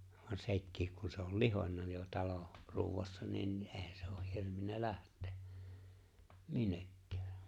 vaan sekin kun se oli lihonut jo talon ruuassa niin ei se ole hirvinnyt lähteä minnekään